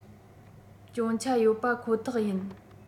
སྐྱོན ཆ ཡོད པ ཁོ ཐག ཡིན